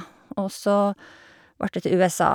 Og så vart det til USA.